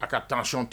A ka taati tɛ